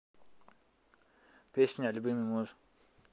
песня любимый муж